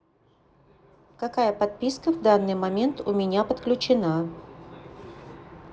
какая подписка в данный момент у меня подключена